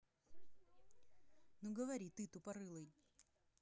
ну говори ты тупорылый